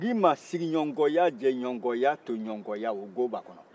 n k'i ma siɲɔgɔnkɔya cɛɲɔgɔnkɔya toɲɔgɔnkɔya o go b'a kɔnɔ